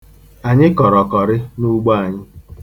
Anyị kọrọ kọrị n'ugbo anyị.